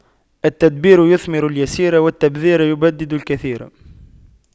التدبير يثمر اليسير والتبذير يبدد الكثير